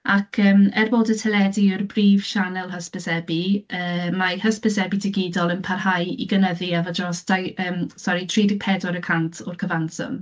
Ac, yym, er bod y teledu yw'r brif sianel hysbysebu, yy, mae hysbysebu digidol yn parhau i gynyddu efo dros dau, yym, sori tri deg pedwar y cant o'r cyfanswm.